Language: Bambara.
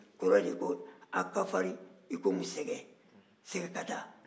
a kɔrɔ de ye a' ka farin i n'a fɔ sɛgɛkata